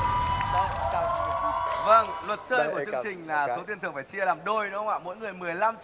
về vâng luật chơi của chương trình là số tiền thưởng phải chia làm đôi đúng không ạ mỗi người mười lăm